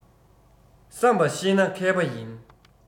བསམ པ ཤེས ན མཁས པ ཡིན